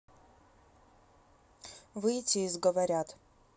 выйти из говорят